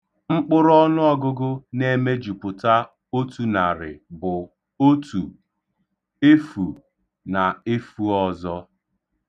Mkpụrụ ọnụọgụgụ na-emejupụta otu narị bụ otu, efu, na efu ọzọ.